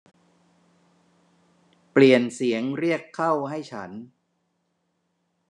เปลี่ยนเสียงเรียกเข้าให้ฉัน